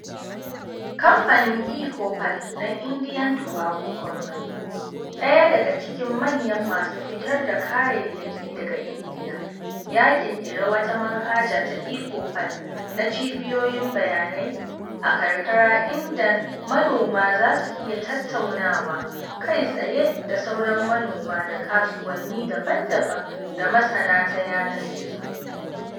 Kamfanin eChoupal na Indian Tobacco Company, ɗaya daga cikin manyan masu fitar da kayayyaki daga Indiya, ya ƙirƙiri wata manhaja ta eChoupal na cibiyoyin bayanai a karkara inda manoma za su iya tattaunawa kai tsaye da sauran manoma da kasuwanni daban-daban da masana ta yanar gizo.